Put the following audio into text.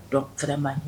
Dɔn fɛrɛma